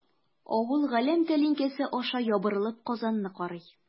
Авыл галәм тәлинкәсе аша ябырылып Казанны карый.